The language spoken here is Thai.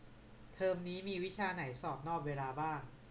เทอมนี้มีวิชาไหนสอบนอกเวลาบ้าง